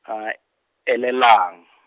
a, elelang.